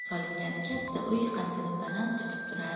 solingan kattakon uy qaddini baland tutib turar